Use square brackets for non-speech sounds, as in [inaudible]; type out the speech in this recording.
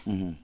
[hesitation] [hesitation]